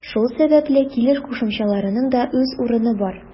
Шул сәбәпле килеш кушымчаларының да үз урыны бар.